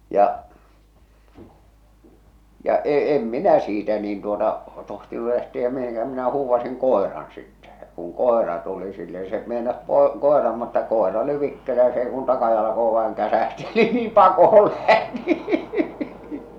ja ja - en minä siitä niin tuota tohtinut lähteä mihinkään minä huusin koiran sitten ja ja kun koira tuli sille niin se meinasi - koiran mutta koira oli vikkelä ja se ei kuin takajalkoihin vain käsähti niin niin pakoon lähti